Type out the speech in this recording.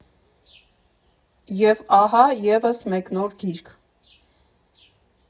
Եվ ահա՝ ևս մեկ նոր գիրք։